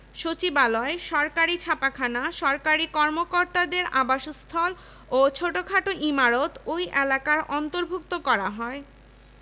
সচিবালয় সরকারি ছাপাখানা সরকারি কর্মকর্তাদের আবাসস্থল ও ছোটখাট ইমারত ওই এলাকার অন্তর্ভুক্ত করা হয়